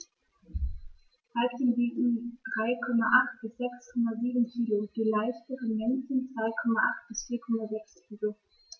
Weibchen wiegen 3,8 bis 6,7 kg, die leichteren Männchen 2,8 bis 4,6 kg.